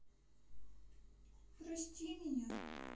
простите меня